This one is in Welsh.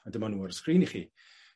A dyma nw ar sgrin i chi.